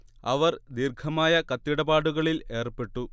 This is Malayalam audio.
അവർ ദീർഘമായ കത്തിടപാടുകളിൽ ഏർപ്പെട്ടു